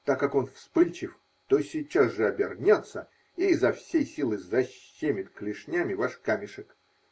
Так как он вспыльчив, то сейчас же обернется и изо всей силы защемит клешнями ваш камешек.